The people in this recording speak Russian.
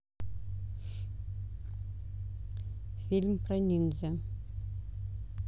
фильм про ниндзя